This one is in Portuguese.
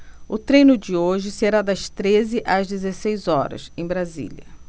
o treino de hoje será das treze às dezessete horas em brasília